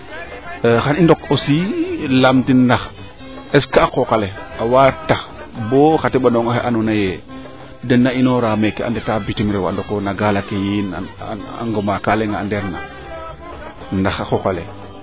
xan i ndok aussi laam tin ndax est ce que a qooqale awa tax bo xa teɓanongaxe ando naye dena inoora meeke a ndeta bitim reew a ndokoyo no gaale ke yiin a ŋoma kaa leŋa andeer na ndax a qoqle